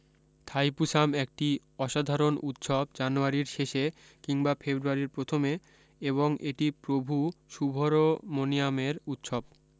থাইপুসাম একটি অসাধারণ উৎসব জানুয়ারীর শেষে কিংবা ফেব্রুয়ারীর প্রথমে এবং এটি প্রভু শুভরমনিয়ামের উৎসব